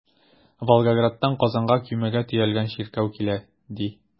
Волгоградтан Казанга көймәгә төялгән чиркәү килә, ди.